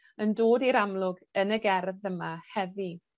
yn dod i'r amlwg yn y gerdd yma heddi.